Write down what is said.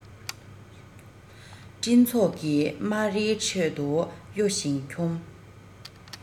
སྤྲིན ཚོགས ཀྱི སྨ རའི ཁྲོད དུ གཡོ ཞིང འཁྱོམ